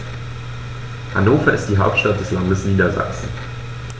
Hannover ist die Hauptstadt des Landes Niedersachsen.